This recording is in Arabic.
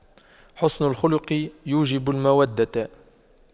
حُسْنُ الخلق يوجب المودة